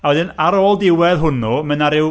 A wedyn ar ôl diwedd hwnnw, ma' 'na ryw...